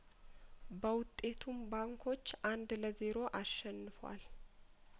በውጤቱም ባንኮች አንድ ለዜሮ አሸንፏል